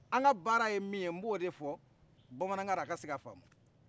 an ka baara ye min ye mb' o de fɔ bamanankanna a ka se ka famu